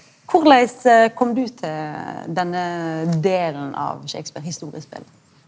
korleis kom du til denne delen av Shakespeare historiespel?